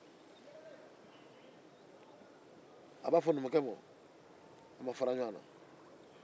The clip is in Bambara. a b'a fo numukɛ ma k'an ma fara ɲɔgɔn na